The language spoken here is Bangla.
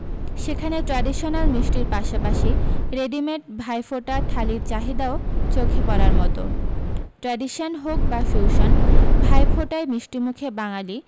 সেখানে ট্র্যাডিশনাল মিষ্টির পাশাপাশি রেডিমেড ভাইফোঁটা থালির চাহিদাও চোখে পড়ার মতো ট্র্যাডিশান হোক বা ফিউশন ভাইফোঁটায় মিষ্টিমুখে বাঙালী